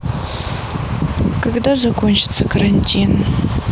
когда закончится карантин